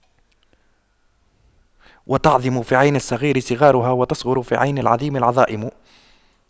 وتعظم في عين الصغير صغارها وتصغر في عين العظيم العظائم